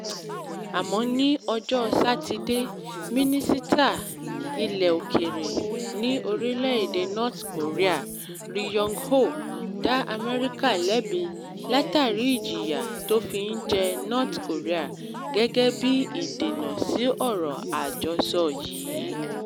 Àmọ́ ní ọjọ́ Sátidé, Mínísítà ilẹ̀-òkèèrè ní orílẹ̀-èdè North Korea, Ri Yong-ho, dá Amẹ́ríkà lẹ́bi látàrí ìjìyà tó fi ń jẹ North Korea gẹ́gẹ́ bí ìdènà sí ọ̀rọ̀ àjọsọ yìí.